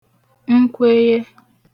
nkweye